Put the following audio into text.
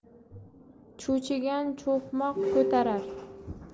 cho'chigan cho'qmor ko'tarar